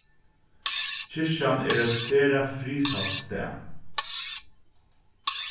kirkjan er eitt sera friðsælt stað